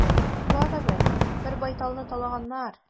Барыбер, бер байталны талаганнар.